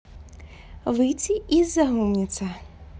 выйти из за умница